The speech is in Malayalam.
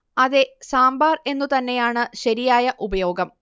അതെ സാമ്പാർ എന്നു തന്നെയാണ് ശരിയായ ഉപയോഗം